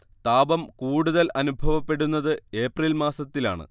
താപം കൂടുതൽ അനുഭവപ്പെടുന്നത് ഏപ്രിൽ മാസത്തിലാണ്